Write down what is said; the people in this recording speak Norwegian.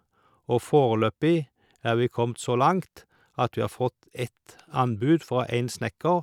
Og foreløpig er vi kommet så langt at vi har fått ett anbud fra én snekker.